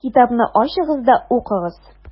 Китапны ачыгыз да укыгыз: